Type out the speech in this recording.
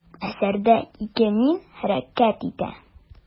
Әсәрдә ике «мин» хәрәкәт итә.